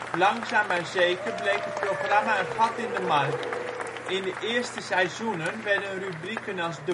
Langzaam maar zeker bleek het programma een gat in de markt. In de eerste seizoenen werden rubrieken als